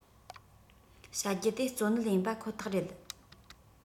བྱ རྒྱུ དེ གཙོ གནད ཡིན པ ཁོ ཐག རེད